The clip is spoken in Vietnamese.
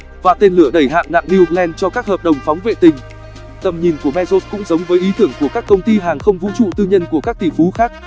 và tên lửa đẩy hạng nặng new glenn cho các hợp đồng phóng vệ tinh tầm nhìn của bezos cũng giống với ý tưởng của các công ty hàng không vũ trụ tư nhân của các tỷ phú khác